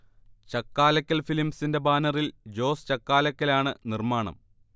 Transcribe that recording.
ചക്കാലക്കൽ ഫിലിമ്സിൻെറ ബാനറിൽ ജോസ് ചക്കാലക്കലാണ് നിർമ്മാണം